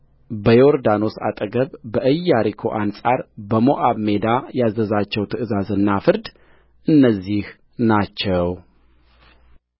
በዮርዳኖስ አጠገብ በኢያሪኮ አንጻር በሞዓብ ሜዳ ያዘዛቸው ትእዛዝና ፍርድ እነዚህ ናቸው